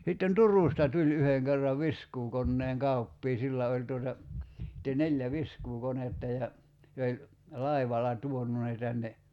sitten Turusta tuli yhden kerran viskuukoneen kauppias sillä oli tuota sitten neljä viskuukonetta ja se oli laivalla tuonut ne tänne